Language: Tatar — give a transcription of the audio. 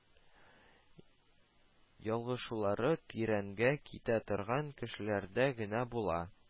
Ялгышулары тирәнгә китә торган кешеләрдә генә була